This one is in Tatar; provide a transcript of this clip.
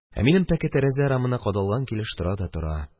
Ә минем пәке тәрәзә рамына кадалган килеш тора да тора